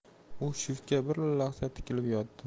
u shiftga bir lahza tikilib yotdi